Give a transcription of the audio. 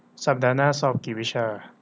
สัปดาห์หน้าสอบกี่วิชา